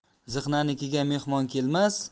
ziqnanikiga mehmon kelmas